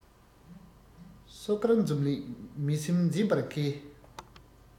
སོ དཀར འཛུམ ལེགས མི སེམས འཛིན པར མཁས